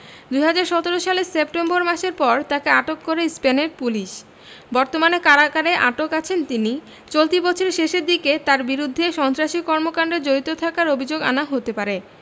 ২০১৭ সালের সেপ্টেম্বর মাসের পর তাকে আটক করে স্পেনের পুলিশ বর্তমানে কারাগারে আটক আছেন তিনি চলতি বছরের শেষের দিকে তাঁর বিরুদ্ধে সন্ত্রাসী কর্মকাণ্ডে জড়িত থাকার অভিযোগ আনা হতে পারে